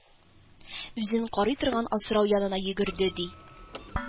Үзен карый торган асрау янына йөгерде, ди.